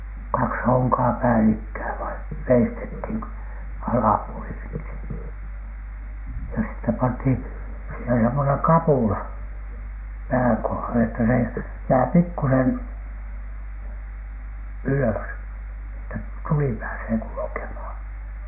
kaksi honkaa päällekkäin vain veistettiin - alapuoli ensin ja sitten pantiin siihen semmoinen kapula pään kohdalle että se jää pikkuisen ylös että tuli pääsee kulkemaan